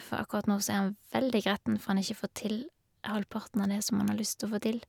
For akkurat nå så er han veldig gretten for han ikke får til halvparten av det som han har lyst å få til.